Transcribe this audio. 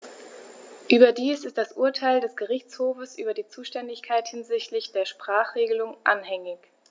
Überdies ist das Urteil des Gerichtshofes über die Zuständigkeit hinsichtlich der Sprachenregelung anhängig.